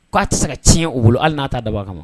Ko' a tɛ se ka tiɲɛ u bolo hali n'a ta dab'a kama.